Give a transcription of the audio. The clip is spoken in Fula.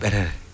ɓerere